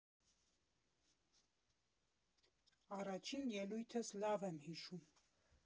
Առաջին ելույթս լավ եմ հիշում։